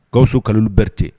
Kaawso kalo berete